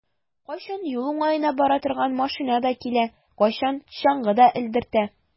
Кайчан юл уңаена бара торган машинада килә, кайчан чаңгыда элдертә.